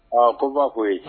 Aa ko ba ko koyi